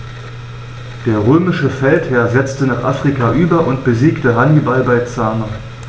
Der römische Feldherr setzte nach Afrika über und besiegte Hannibal bei Zama.